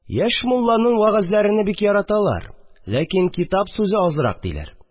Яшь мулланың вәгазьләрене бик яраталар, ләкин китап сүзе азрак диләр